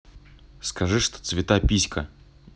скажи что цвета писька